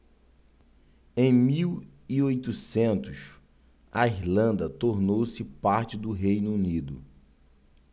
em mil e oitocentos a irlanda tornou-se parte do reino unido